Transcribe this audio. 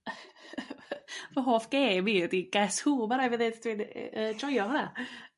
fy hoff gem i ydi guess who ma' rai' fi dd'eud yrr dwi'n yrr joio honna.